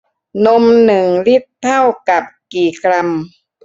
นมหนึ่งลิตรเท่ากับกี่กรัม